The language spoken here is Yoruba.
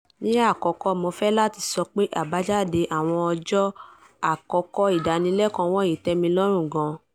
Ní àkọ́kọ́, mo fẹ́ láti sọ pé àbájáde àwọn ọjọ́ àkọ́kọ́ ìdánilẹ́kọ̀ọ́ wọ̀nyí tẹ́milọ́rùn gan-an.